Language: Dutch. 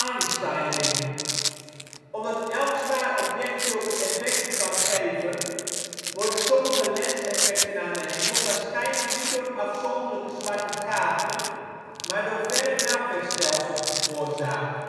Einsteinring. Omdat elk zwaar object zulke effecten kan geven, worden sommige lens-effecten aan de hemel waarschijnlijk niet door afzonderlijke zwarte gaten maar door verre melkwegstelsels veroorzaakt